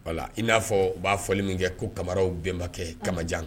In n'a fɔ u b'a fɔli min kɛ ko kamaraww bɛnbakɛ kamajan